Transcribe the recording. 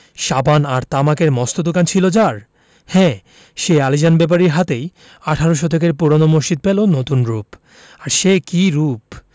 সাবান আর তামাকের মস্ত দোকান ছিল যার হ্যাঁ সেই আলীজান ব্যাপারীর হাতেই আঠারো শতকের পুরোনো মসজিদ পেলো নতুন রুপ আর সে কি রুপ